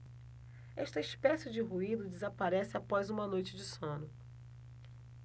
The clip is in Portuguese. esta espécie de ruído desaparece após uma noite de sono